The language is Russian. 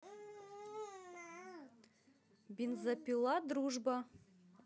бензопила дружба